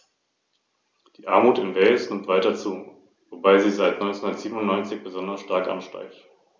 Meine Änderungsanträge betreffen die Frostbeständigkeit der Transportbehälter für Gefahrgut.